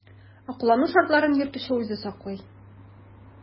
Ә кулланылу шартларын йөртүче үзе сайлый.